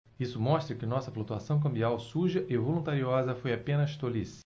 isso mostra que nossa flutuação cambial suja e voluntariosa foi apenas tolice